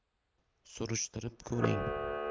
surishtirib ko'ring